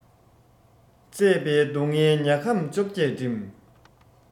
བཙས པའི སྡུག སྔལ མྱལ ཁམས བཅོ བརྒྱད འགྲིམ